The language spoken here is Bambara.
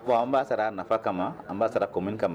Wa an ba sara a nafa kama an ba sara commune kama